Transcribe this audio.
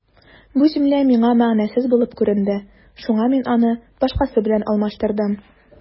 Бу җөмлә миңа мәгънәсез булып күренде, шуңа мин аны башкасы белән алмаштырдым.